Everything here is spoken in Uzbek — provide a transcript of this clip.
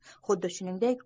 xuddi shuningdek